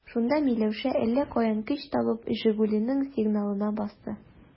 Шунда Миләүшә, әллә каян көч табып, «Жигули»ның сигналына басты.